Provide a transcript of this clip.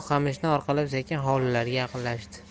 qamishni orqalab sekin hovlilariga yaqinlashdi